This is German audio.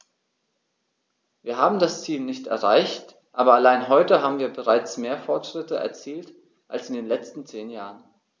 Wir haben das Ziel nicht erreicht, aber allein heute haben wir bereits mehr Fortschritte erzielt als in den letzten zehn Jahren.